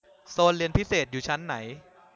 โซนเรียนพิเศษอยู่ชั้นไหน